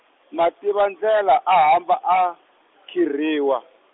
mativandlela a hamba a, khirhiwa.